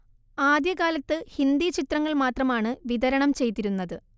ആദ്യ കാലത്ത് ഹിന്ദി ചിത്രങ്ങൾ മാത്രമാണ് വിതരണം ചെയ്തിരുന്നത്